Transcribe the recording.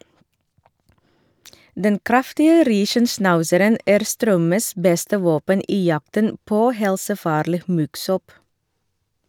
Den kraftige riesenschnauzeren er Strømmes beste våpen i jakten på helsefarlig muggsopp.